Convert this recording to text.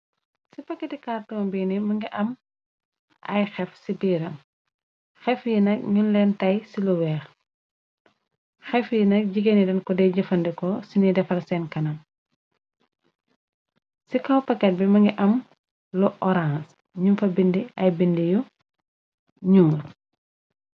Si paketi kaartom biini, më ngi am ay xef, ci biiram, xef yi nak ñuñ leen tey ci lu weex, xef yi nak jigeeni den ko de jëfandeko sini defar seen kanam, ci kaw paket bi më ngi am lu orange, ñum fa bindi ay bindi yu ñuul.